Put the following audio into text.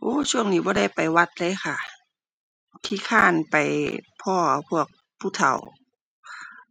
โอ้ ช่วงนี้บ่ได้ไปวัดเลยค่ะ ขี้คร้านไปพ้อพวกผู้เฒ่า